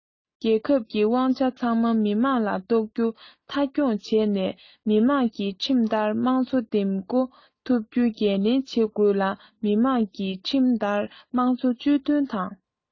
རྒྱལ ཁབ ཀྱི དབང ཆ ཚང མ མི དམངས ལ གཏོགས རྒྱུ མཐའ འཁྱོངས བྱས ནས མི དམངས ཀྱིས ཁྲིམས ལྟར དམངས གཙོ འདེམས བསྐོ ཐུབ རྒྱུའི འགན ལེན བྱེད དགོས ལ མི དམངས ཀྱིས ཁྲིམས ལྟར དམངས གཙོ ཇུས འདོན དང